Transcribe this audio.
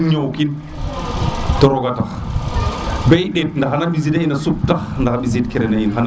ndet ñoow kin to roga tax mba i ndet nax xana mbisi da in a sup tax ndax ɓisid kirana in